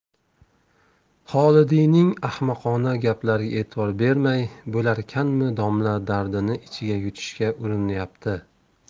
xolidiyning ahmoqona gaplariga e'tibor bermay bo'larkanmi domla dardini ichiga yutishga urinyapti